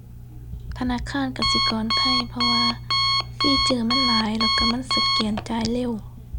ธนาคารกสิกรไทย เพราะว่าฟีเจอร์มันหลายแล้วก็มันสแกนจ่ายเร็ว